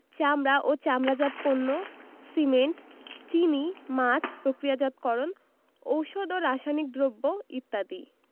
চামড়া ও চামড়াজাত পণ্য সিমেন্ট চিনি মাছ প্রক্রিয়াজাতকরণ ঔষধ ও রাসায়নিক দ্রব্য ইত্যাদি